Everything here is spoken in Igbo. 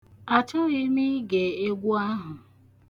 Achọghị ige egwu ahụ.